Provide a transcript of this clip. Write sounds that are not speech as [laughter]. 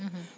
[hesitation] [hesitation]